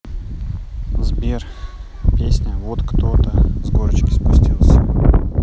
сбер песня вот кто то с горочки спустился